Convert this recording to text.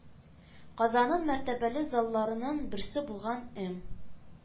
Казанның мәртәбәле залларының берсе булган эМ